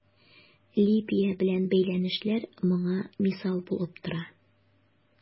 Либия белән бәйләнешләр моңа мисал булып тора.